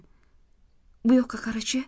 bu yoqqa qarachi